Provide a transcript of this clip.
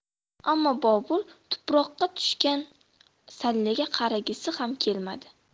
ammo bobur tuproqqa tushgan sallaga qaragisi ham kelmadi